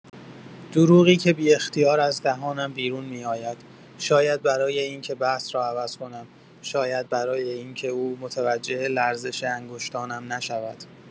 دروغی که بی‌اختیار از دهانم بیرون می‌آید، شاید برای این‌که بحث را عوض کنم، شاید برای این‌که او متوجه لرزش انگشتانم نشود.